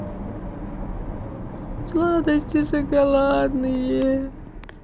сладости шоколадные